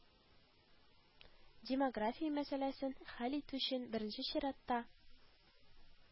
Демография мәсьәләсен хәл итү өчен беренче чиратта